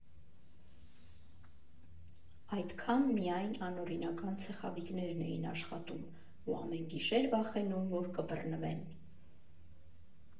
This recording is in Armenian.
Այդքան միայն անօրինական «ցեխավիկներն» էին աշխատում ու ամեն գիշեր վախենում, որ կբռնվեն։